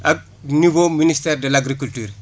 ak niveau ministère de l' agriculture